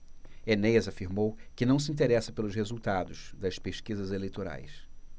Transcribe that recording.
enéas afirmou que não se interessa pelos resultados das pesquisas eleitorais